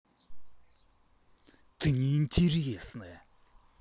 ты не интересная